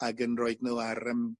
ag yn roid n'w ar yym